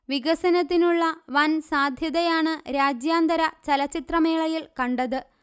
വികസനത്തിനുള്ള വൻസാധ്യതയാണ് രാജ്യാന്തര ചലച്ചിത്രമേളയിൽ കണ്ടത്